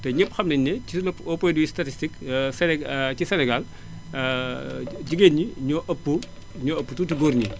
te ñépp xam nañu ne sur le au point de vue statistique Séné ci Sénégal jigéen ñi ñoo ëpp ñoo ëpp tuuti góor ñi